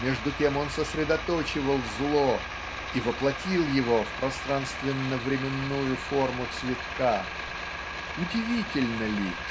между тем он сосредоточивал зло и воплотил его в пространственно-временную форму цветка удивительно ли